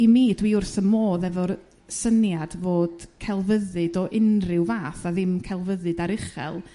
i mi dw i wrth 'y modd efo'r yrr syniad fod celfyddyd o unrhyw fath a ddim celfyddyd aruchel